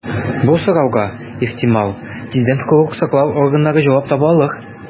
Бу сорауга, ихтимал, тиздән хокук саклау органнары җавап таба алыр.